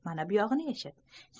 mana buyog'ini eshit